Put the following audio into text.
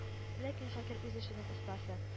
Ләкин Шакир, үз эшенең остасы